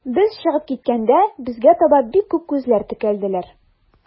Без чыгып киткәндә, безгә таба бик күп күзләр текәлделәр.